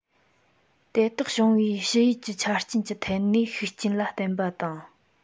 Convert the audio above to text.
དེ དག བྱུང བའི ཕྱི ཡུལ གྱི ཆ རྐྱེན གྱི ཐད ཀར ཤུགས རྐྱེན ལ བརྟེན པ དང